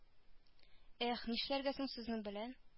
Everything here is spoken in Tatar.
Эх нишләргә соң сезнең белән